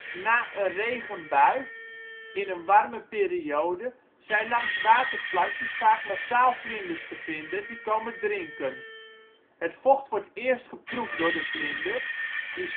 Na een regenbui in een warme periode zijn langs waterplasjes vaak massaal vlinders te vinden die komen drinken. Het vocht wordt eerst geproefd door de vlinder, die